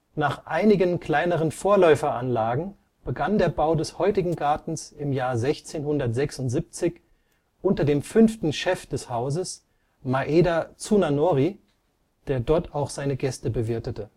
Nach einigen kleineren Vorläuferanlagen begann der Bau des heutigen Gartens 1676 unter dem 5. Chef des Hauses, Maeda Tsunanori, der dort auch seine Gäste bewirtete